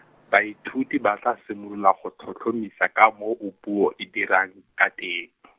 baithuti ba tla simolola go tlhotlhomisa ka moo puo e dirang, ka teng .